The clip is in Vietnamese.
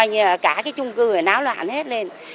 coi như là cả cái chung cư này náo loạn hết lên